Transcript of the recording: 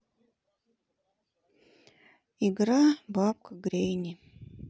игра бабка гренни